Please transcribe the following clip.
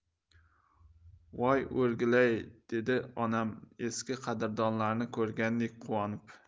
voy o'rgilaylar dedi onam eski qadrdonlarini ko'rgandek quvonib